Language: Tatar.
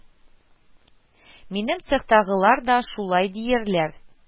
Минем цехтагы лар бар да шулай диярләр